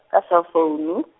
ka cellfounu .